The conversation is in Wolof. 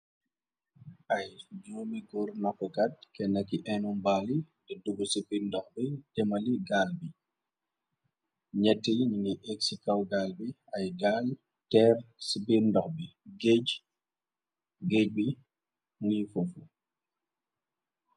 Ay jmicr nakat kenn ki inumbaali de dugu spindox bi jémali gaal bi ñett ñini exi kaw gaal bi ay gaal teer spinndox bi géej bi nguy fofu.